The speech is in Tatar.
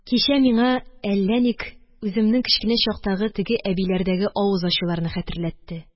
Кичә миңа әллә ник үземнең кечкенә чактагы теге әбиләрдәге авыз ачуларны хәтерләтте